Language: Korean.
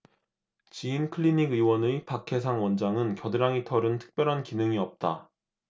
지인클리닉의원의 박해상 원장은 겨드랑이 털은 특별한 기능이 없다